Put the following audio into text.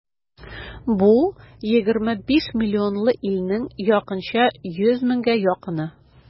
Бу егерме биш миллионлы илнең якынча йөз меңгә якыны.